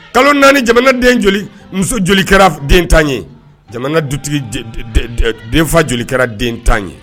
Kalo 4 jamana den joli muso joli kɛra dentan ye jamana dutigi denfa joli kɛra dentan ye.